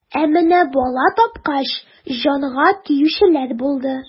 Ә менә бала тапкач, җанга тиючеләр булды.